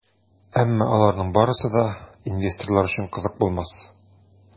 Әмма аларның барысы да инвесторлар өчен кызык булмас.